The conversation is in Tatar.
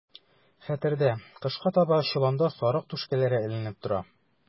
Хәтердә, кышка таба чоланда сарык түшкәләре эленеп тора.